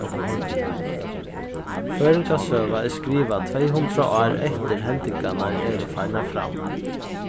føroyingasøga er skrivað tvey hundrað ár eftir hendingarnar eru farnar fram